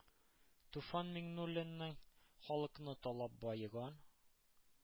Туфан Миңнуллинның халыкны талап баеган,